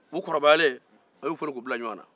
u kɔrɔbayalen a y'u foni ka bila ɲɔgɔn na